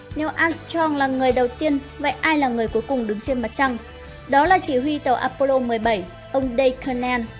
nếu armstrong là người đầu tiên vậy ai là người cuối cùng đứng trên mặt trăng đó là chỉ huy tàu apollo ông dave cernan